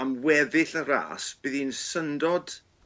am weddill y ras bydd 'i'n syndod